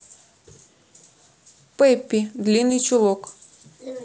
пеппи длинный чулок